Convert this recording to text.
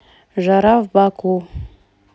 жара в баку